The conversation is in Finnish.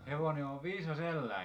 hevonen on viisas eläin